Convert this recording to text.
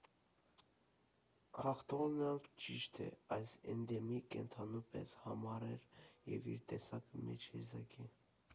Հաղթողն էլ ճիշտ այս էնդեմիկ կենդանու պես համառ է և իր տեսակի մեջ եզակի։